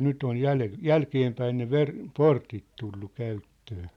nyt on - jälkeenpäin ne - portit tullut käyttöön